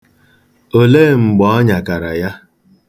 Olee mgbe ọ nyakara ya?